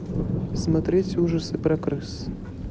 смотреть ужасы про крыс